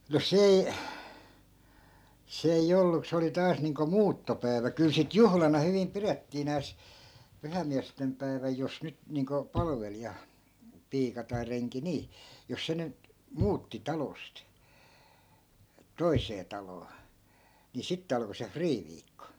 no se ei se ei ollut kun se oli taas niin kuin muuttopäivä kyllä sitten juhlana hyvin pidettiin nääs pyhäinmiesten päivä jos nyt niin kuin palvelija piika tai renki niin jos se nyt muutti talosta toiseen taloon niin sitten alkoi se friiviikko